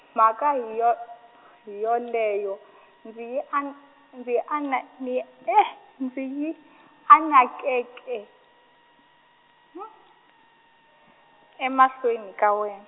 mhaka hi yo hi yoleyo, ndzi yi an- ndzi yi ane- ni- ndzi yi anekeke , emahlweni ka wen-.